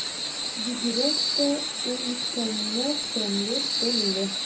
Бигрәк тә өлкәннәр тәмле телле.